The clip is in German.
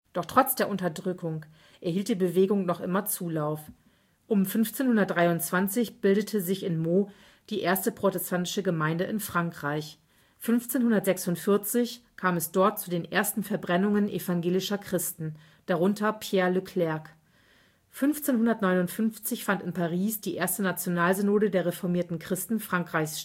Doch trotz der Unterdrückung erhielt die Bewegung noch immer Zulauf. Um 1523 bildete sich in Meaux die erste protestantische Gemeinde in Frankreich, 1546 kam es dort zu den ersten Verbrennungen evangelischer Christen, darunter Pierre Leclerc. 1559 fand in Paris die erste Nationalsynode der reformierten Christen Frankreichs